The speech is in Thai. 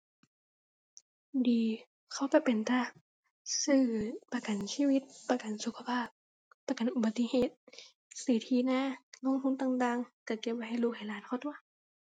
ดี เขาแบบเป็นตาซื้อประกันชีวิต ประกันสุขภาพ ประกันอุบัติเหตุ ซื้อที่นา ลงทุนต่างต่างก็เก็บไว้ให้ลูกให้หลานก็ตั่ว